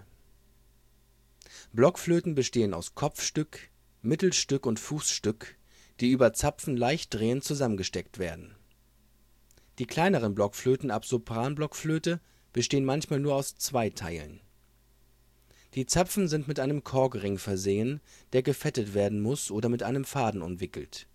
Blockflöten bestehen aus Kopfstück, Mittelstück und Fußstück, die über Zapfen leicht drehend zusammengesteckt werden (im Bild nicht sichtbar). Die kleineren Blockflöten ab Sopran-Blockflöte bestehen manchmal nur aus zwei Teilen. Die Zapfen sind mit einem Korkring versehen, der gefettet werden muss, oder mit einem Faden umwickelt